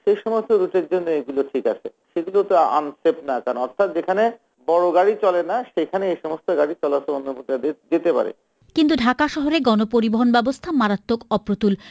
সে সমস্ত রুট এর জন্য এগুলো ঠিক আছে এগুলোতো আনসেফ না অর্থাৎ যেখানে বড় গাড়ি চলে না সেখানে এ সমস্ত গাড়ি অন্য কোথাও দিয়ে যেতে পারে কিন্তু ঢাকা শহরে গণপরিবহন ব্যবস্থা মারাত্মক অপ্রতুল